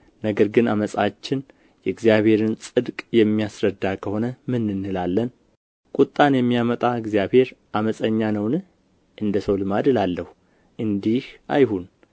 ነገር ግን ዓመፃችን የእግዚአብሔርን ጽድቅ የሚያስረዳ ከሆነ ምን እንላለን ቍጣን የሚያመጣ እግዚአብሔር ዓመፀኛ ነውን እንደ ሰው ልማድ እላለሁ እንዲህ አይሁን